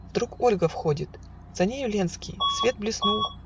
вдруг Ольга входит, За нею Ленский свет блеснул